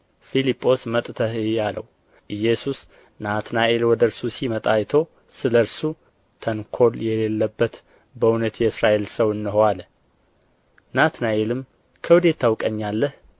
ፊልጶስ መጥተህ እይ አለው ኢየሱስ ናትናኤልን ወደ እርሱ ሲመጣ አይቶ ስለ እርሱ ተንኰል የሌለበት በእውነት የእስራኤል ሰው እነሆ አለ ናትናኤልም ከወዴት ታውቀኛለህ